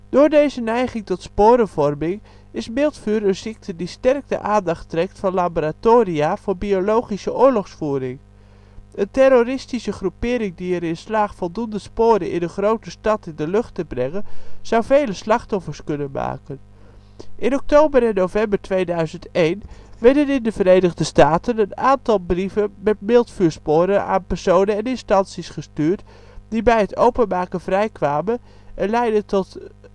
Door deze neiging tot sporenvorming is miltvuur een ziekte die sterk de aandacht trekt van laboratoria voor biologische oorlogsvoering. Een terroristische groepering die erin slaagt voldoende sporen in een grote stad in de lucht te brengen zou vele slachtoffers kunnen maken. In oktober en november 2001 werden in de VS een aantal brieven met miltvuursporen aan personen en instanties gestuurd, die bij het openmaken vrij kwamen en leidden tot